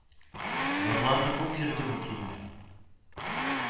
Ярларны күп йөрде бу көймә